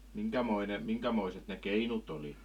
minkämoinen minkämoiset ne keinut oli